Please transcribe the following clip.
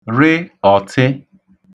rị ọ̀tị